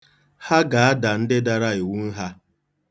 Ha ga-ada ndị dara iwu nha.